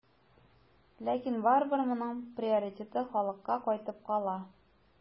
Ләкин барыбер моның приоритеты халыкка кайтып кала.